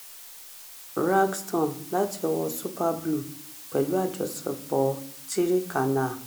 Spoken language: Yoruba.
2. "Rag Storm" láti ọwọ́ọ Super Blue, pẹ̀lú àjọṣepọ̀ 3 Canal